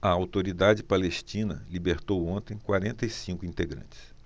a autoridade palestina libertou ontem quarenta e cinco integrantes